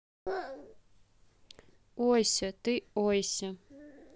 ойся ты ойся